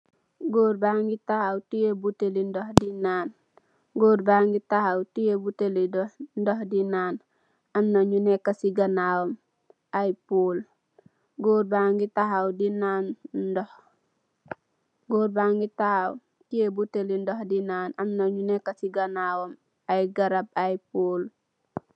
Gór ba ngi taxaw teyeh butèèlli ndox di nan, am na ñu nekka ci ganaw ay garap ay pól.